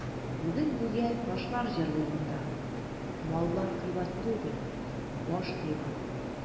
Бүген гүя ташлар җырлый монда: «Маллар кыйбат түгел, баш кыйбат».